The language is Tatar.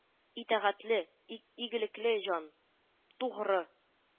Итәгатьле, игелекле җан. тугры